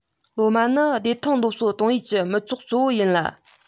སློབ མ ནི བདེ ཐང སློབ གསོ གཏོང ཡུལ གྱི མི ཚོགས གཙོ བོ ཡིན ལ